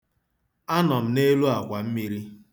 Anọ m n'elu akwammiri.